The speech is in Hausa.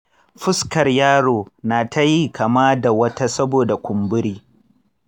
fuskar yaro na ta yi kama da wata saboda kumburi.